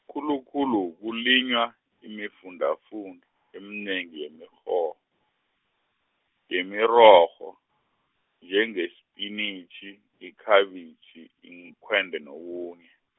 khulukhulu kulinywa, iimfundafunda, eminengi yemirho-, yemirorho, njengesipinitjhi, ikhabitjhi, iinkhwende nokunye.